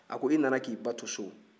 a ko i nana k'i ba to so